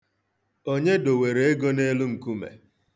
Onye dowere ego n'elu nkume?